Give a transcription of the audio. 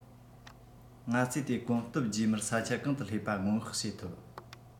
ང ཚོས དེ གོམ སྟབས རྗེས མར ས ཆ གང དུ སླེབས པ སྔོན དཔག བྱེད ཐུབ